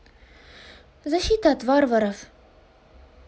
защита от варваров